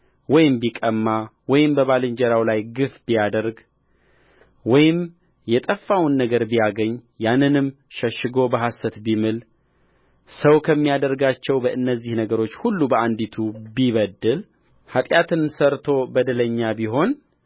ወይም ቢቀማ ወይም በባልንጀራው ላይ ግፍ ቢያደርግወይም የጠፋውን ነገር ቢያገኝ ያንንም ሸሽጎ በሐሰት ቢምል ሰው ከሚያደርጋቸው ከእነዚህ ነገሮች ሁሉ በአንዲቱ ቢበድልእርሱ ኃጢአትን ሠርቶ በደለኛ ቢሆን